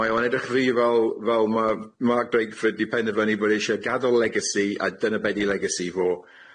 Mae o'n edrych fi fel fel ma' Mark Drakeford di penderfynu bod e isie gaddol legacy a dyna be' di legacy fo.